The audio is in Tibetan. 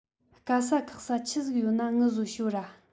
དཀའ ས ཁག ས ཆི ཟིག ཡོད ན ངུ བཟོ ཤོད དྲ